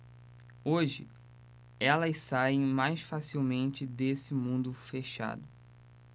hoje elas saem mais facilmente desse mundo fechado